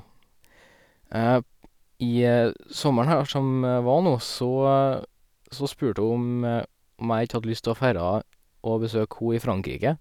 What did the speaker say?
I sommeren her som var, nå, så så spurte hun om om jeg ikke hadde lyst å færra og besøke ho i Frankrike.